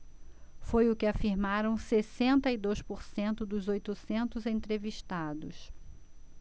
foi o que afirmaram sessenta e dois por cento dos oitocentos entrevistados